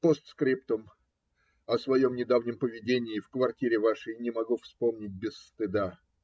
Постскриптум О своем недавнем поведении в квартире вашей не могу вспомнить без стыда.